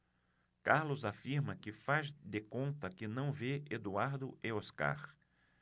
carlos afirma que faz de conta que não vê eduardo e oscar